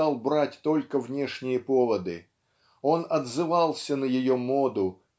стал брать только внешние поводы он отзывался на ее моду